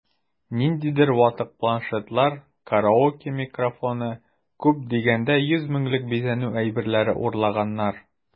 Ниндидер ватык планшетлар, караоке микрофоны(!), күп дигәндә 100 меңлек бизәнү әйберләре урлаганнар...